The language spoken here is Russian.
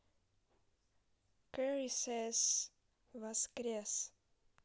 carissa's воскрес